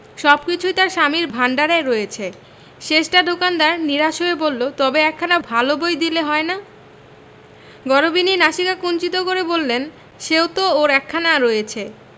সবকিছুই তার স্বামীর ভাণ্ডারে রয়েছে শেষটা দোকানদার নিরাশ হয়ে বললে তবে একখানা ভাল বই দিলে হয় না গরবিনী নাসিকা কুঞ্চিত করে বললেন সেও তো ওঁর একখানা রয়েছে